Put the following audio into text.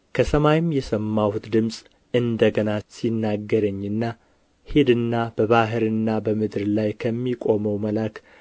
ከሰማይም የሰማሁት ድምፅ እንደ ገና ሲናገረኝና ሂድና በባሕርና በምድር ላይ ከሚቆመው መልአክ